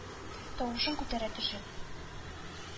Тавышын күтәрә төшеп: